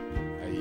Ayi